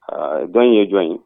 Jɔn ye jɔn ye